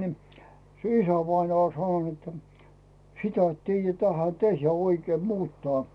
niin se isävainaa oli sanonut että sitä et tiedä tähän tehdä oikein muuttaa